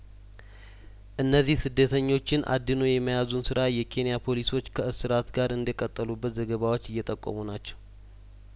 እነዚህ ስደተኞችን አድኖ የመያዙን ስራ የኬንያ ፖሊሶች ከእስራት ጋር እንደቀጠሉበት ዘገባዎች እየጠቆሙ ናቸው